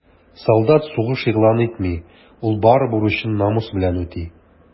Солдат сугыш игълан итми, ул бары бурычын намус белән үти.